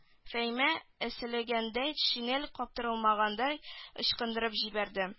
Фәимә эсселәгәндәй шинель каптырмаларын ычкындырып җибәрде